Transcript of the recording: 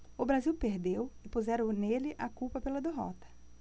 o brasil perdeu e puseram nele a culpa pela derrota